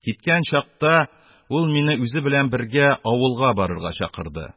Киткән чакта ул мине үзе белән бергә авылга барырга чакырды,